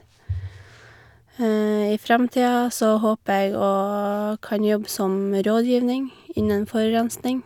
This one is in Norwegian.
I framtida så håper jeg å kan jobbe som rådgivning innen forurensning.